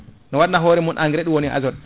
no wadna hoore mun engrais ɗum woni azote